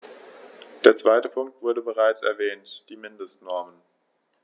Der zweite Punkt wurde bereits erwähnt: die Mindestnormen.